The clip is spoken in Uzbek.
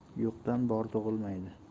yo'qdan bor tug'ilmaydi